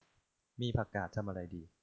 มีผักกาดทำอะไรดี